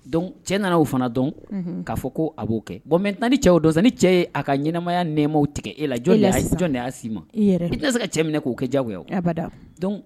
Don cɛ nana fana dɔn k'a fɔ ko a b'o kɛ bon mɛtan ni cɛw dɔn ni cɛ ye a ka ɲɛnaɛnɛmaya nɛma tigɛ e la jɔn jɔn de y'a si ma i tɛna se ka cɛ minɛ k'o kɛ jago